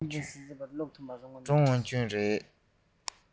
ཀྲང ཝུན ཅུན རེད